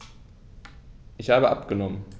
Ich habe abgenommen.